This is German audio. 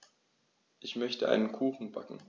Ich möchte einen Kuchen backen.